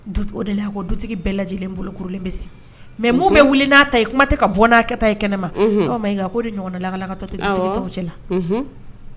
Dut o de la a ko dutigi bɛɛ lajɛlen bolo kurulen bɛ si. Mais bɛ wili n'a ta ye, kuma tɛ ka bɔ n'a kɛ ta ye kɛnɛ ma. Unhun, Awa Mayiga ko de ɲɔgɔnna lakalakatɔ, awɔ , tɛ dutigi tɔw cɛla , unhun.